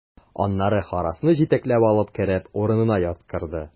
Аннары Харрасны җитәкләп алып кереп, урынына яткырды.